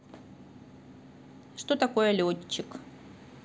что такое летчик